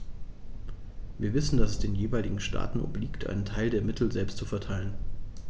Wir wissen, dass es den jeweiligen Staaten obliegt, einen Teil der Mittel selbst zu verteilen.